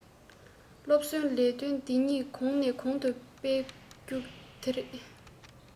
སློབ གསོའི ལས དོན འདི ཉིད གོང ནས གོང དུ སྤེལ དགོས རྒྱུ དེ ཡིན